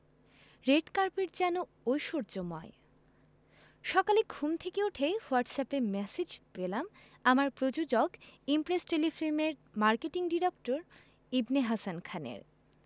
red carpet যেন ঐশ্বর্যময় সকালে ঘুম থেকে উঠেই হোয়াটসঅ্যাপ ম্যাসেজ পেলাম আমার প্রযোজক ইমপ্রেস টেলিফিল্মের মার্কেটিং ডিরেক্টর ইবনে হাসান খানের